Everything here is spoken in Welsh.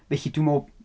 Felly dwi'n meddwl...